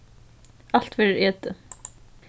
alt verður etið